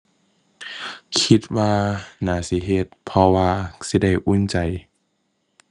คิดว่าน่าสิเฮ็ด เพราะว่าสิได้อุ่นใจ